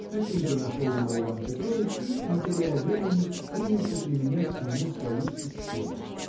Таким-то нашел его Иван Петрович и, не теряя времени, принялся применять к нему свою систему.